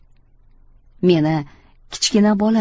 meni kichkina bola